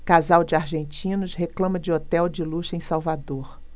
casal de argentinos reclama de hotel de luxo em salvador